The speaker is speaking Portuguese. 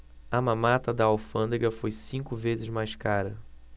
a mamata da alfândega foi cinco vezes mais cara